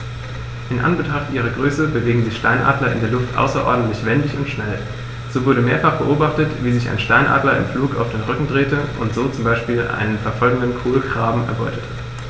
In Anbetracht ihrer Größe bewegen sich Steinadler in der Luft außerordentlich wendig und schnell, so wurde mehrfach beobachtet, wie sich ein Steinadler im Flug auf den Rücken drehte und so zum Beispiel einen verfolgenden Kolkraben erbeutete.